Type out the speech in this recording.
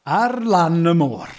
Ar Lan y Môr.